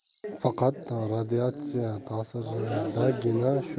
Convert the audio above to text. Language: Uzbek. faqat radiatsiya tasiridangina shu